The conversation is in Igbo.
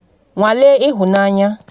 Nwalee ịhụnanya.”